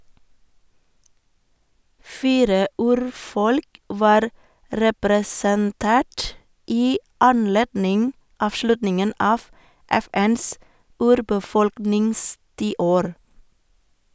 Fire urfolk var representert i anledning avslutningen av FNs urbefolkningstiår.